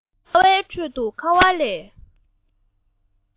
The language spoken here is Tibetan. ཁ བའི ཁྲོད དུ ཁ བ ལས